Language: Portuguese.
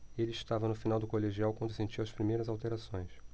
ele estava no final do colegial quando sentiu as primeiras alterações